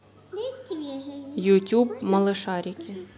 ютюб малышарики